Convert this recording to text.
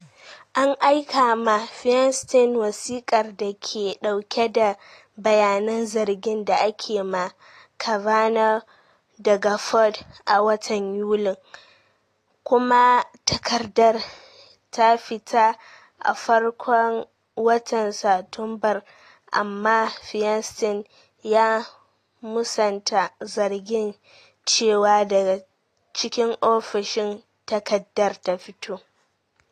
An aika ma Feinstein wasikar da ke dauke da bayanan zargin da ake ma Kavanaugh daga Ford a watan Yulin, kuma takaddar ta fita a farkon watan Satumbar - amma Feinstein ya musanta zargin cewa daga cikin ofishin takaddar ta fito.